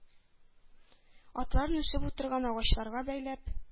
Атларын үсеп утырган агачларга бәйләп,